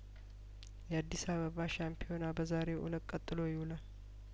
የአዲስ አበባ ሻምፒዮና በዛሬው እለት ቀጥሎ ይውላል